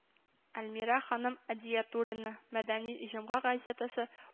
Әлмирә ханым Әдиятуллина, “Мәдәни җомга” газетасы